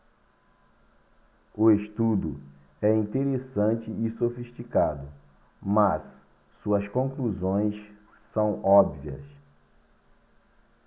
o estudo é interessante e sofisticado mas suas conclusões são óbvias